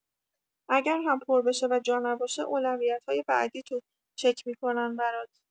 اگر هم پر بشه و جا نباشه اولویت‌های بعدیت رو چک می‌کنن برات